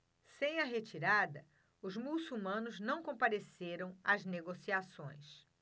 sem a retirada os muçulmanos não compareceram às negociações